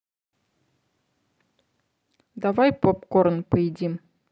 давай попкорн поедим